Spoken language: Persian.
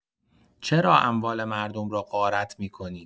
چرا اموال مردم را غارت می‌کنید؟!